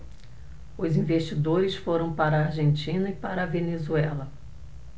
os investidores foram para a argentina e para a venezuela